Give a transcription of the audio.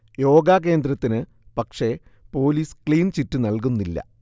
യോഗാ കേന്ദ്രത്തിന് പക്ഷേ police clean chit നല്കുന്നില്ല